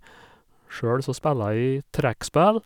Sjøl så spiller jeg trekkspill.